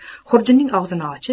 xurjunning og'zini ochib